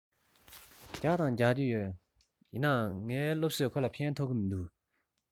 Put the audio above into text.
རྒྱག དང རྒྱག གི ཡོད ཡིན ནའི ངའི སློབ གསོས ཕན ཐོགས ཀྱི མི འདུག